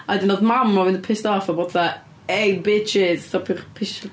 A wedyn oedd mam o'n mynd yn pissed off a bod fatha "Ey, bitches! Stopiwch pisio..."